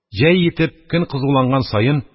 Җәй йитеп, көн кызуланган саен,